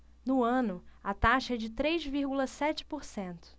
no ano a taxa é de três vírgula sete por cento